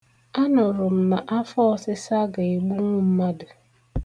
Anụrụ m na afọọsịsa ga-egbunwu mmadụ.